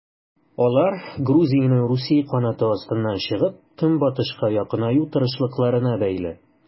Алар Грузиянең Русия канаты астыннан чыгып, Көнбатышка якынаю тырышлыкларына бәйле.